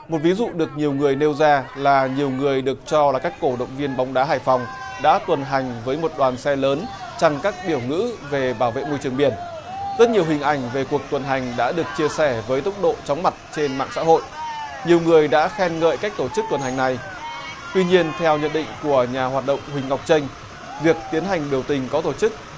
một ví dụ được nhiều người nêu ra là nhiều người được cho là các cổ động viên bóng đá hải phòng đã tuần hành với một đoàn xe lớn trong các biểu ngữ về bảo vệ môi trường biển rất nhiều hình ảnh về cuộc tuần hành đã được chia sẻ với tốc độ chóng mặt trên mạng xã hội nhiều người đã khen ngợi cách tổ chức tuần hành này tuy nhiên theo nhận định của nhà hoạt động của huỳnh ngọc chênh việc tiến hành biểu tình có tổ chức